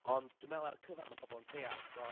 Ond dwi'n meddwl ar y cyfan mae pobl yn deall, tibod